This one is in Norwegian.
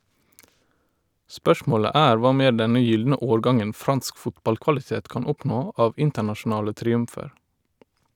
Spørsmålet er hva mer denne gylne årgangen fransk fotballkvalitet kan oppnå av internasjonale triumfer.